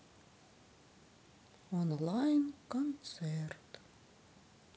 онлайн концерт